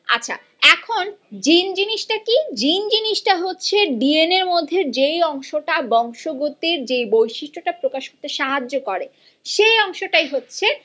আচ্ছা এখন জিন জিনিসটা কি জিন জিনিসটা হচ্ছে ডিএন এর মধ্যে যে অংশটা বংশগতির যে বৈশিষ্ট্য প্রকাশ করতে সাহায্য করে সে অংশটা হচ্ছে